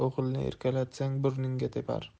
o'g'ilni erkalatsang burningga tepar